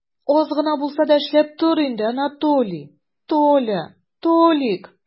Аз гына булса да эшләп тор инде, Анатолий, Толя, Толик!